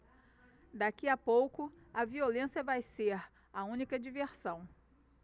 daqui a pouco a violência vai ser a única diversão